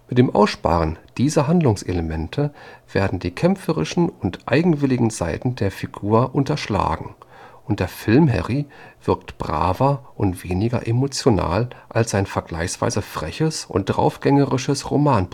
dem Aussparen dieser Handlungselemente werden die kämpferischen und eigenwilligen Seiten der Figur unterschlagen, und der Film-Harry wirkt braver und weniger emotional als sein vergleichsweise freches und draufgängerisches Roman-Pendant